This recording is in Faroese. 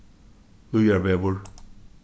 líðarvegur